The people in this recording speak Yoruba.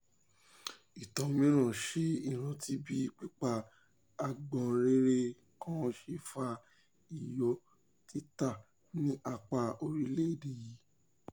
Ìtàn mìíràn ṣe ìrántí bí pípa àgbànrere kan ṣe fa iyọ̀ títà ní apá orílẹ̀-èdè yìí.